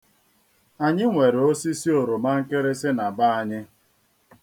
Anyị nwere osisi oromankịrịsị na be anyị.